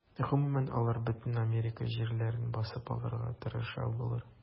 Гомумән, алар бөтен Америка җирләрен басып алырга тырыша булыр.